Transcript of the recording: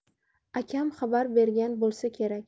akam xabar bergan bo'lsa kerak